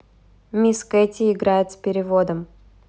miss katy играет с переводом